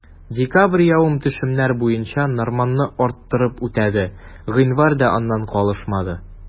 Декабрь явым-төшемнәр буенча норманы арттырып үтәде, гыйнвар да аннан калышмады.